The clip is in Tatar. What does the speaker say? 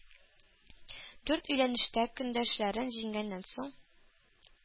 Дүрт әйләнештә көндәшләрен җиңгәннән соң,